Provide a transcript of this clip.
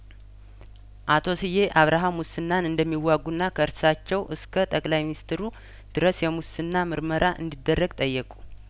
አቶ ስዬ አብርሀ ሙስናን እንደሚዋጉና ከእርሳቸው እስከ ጠቅላይ ሚኒስትሩ ድረስ የሙስናምርመራ እንዲደረግ ጠየቁ